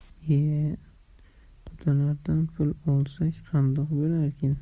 ie qudalardan pul olsak qandoq bo'larkin